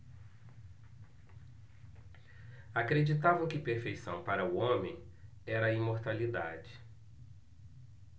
acreditavam que perfeição para o homem era a imortalidade